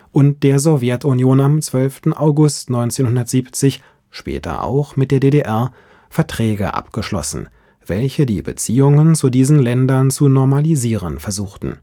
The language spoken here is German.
und der Sowjetunion (12. August 1970), später auch mit der DDR, Verträge abgeschlossen, welche die Beziehungen zu diesen Ländern zu normalisieren versuchten